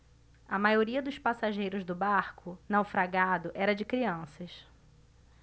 a maioria dos passageiros do barco naufragado era de crianças